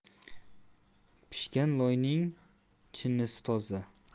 pishgan loyning chinnisi toza